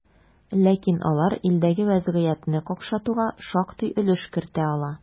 Ләкин алар илдәге вазгыятьне какшатуга шактый өлеш кертә ала.